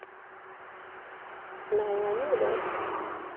знаю анекдот